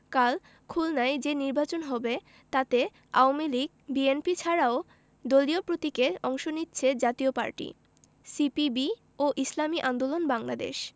কাল খুলনায় যে নির্বাচন হবে তাতে আওয়ামী লীগ বিএনপি ছাড়াও দলীয় প্রতীকে অংশ নিচ্ছে জাতীয় পার্টি সিপিবি ও ইসলামী আন্দোলন বাংলাদেশ